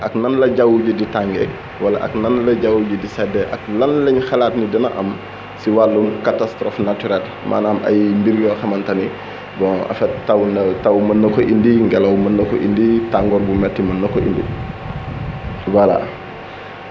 ak nan la jawwu ji di tàngee wala ak nan la jawwu ji di seddee ak lan lañu xalaat ne dana am si wàllum catastrophe naturelle maanaam ay ay mbir yoo xamante ni bon en fait taw nawet taw mën na ko indi ngelaw mën na ko indi tàngoor bu métti mën na ko indi voilà